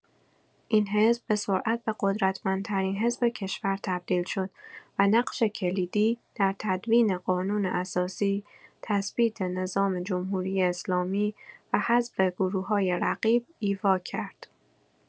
این حزب به‌سرعت به قدرتمندترین حزب کشور تبدیل شد و نقش کلیدی در تدوین قانون اساسی، تثبیت نظام جمهوری‌اسلامی و حذف گروه‌های رقیب ایفا کرد.